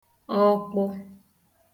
ọkpụ